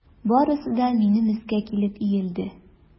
Барысы да минем өскә килеп иелде.